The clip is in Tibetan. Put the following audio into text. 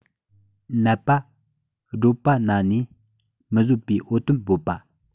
ནད པ གྲོད པ ན ནས མི བཟོད པའི འོ དོད འབོད པ